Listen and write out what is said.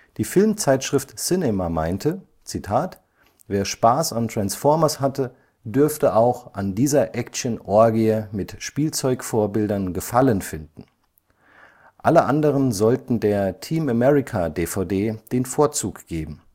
Die Filmzeitschrift Cinema meinte, „ Wer Spaß an Transformers hatte, dürfte auch an dieser Actionorgie mit Spielzeug-Vorbildern Gefallen finden. Alle anderen sollten der „ Team-America “- DVD den Vorzug geben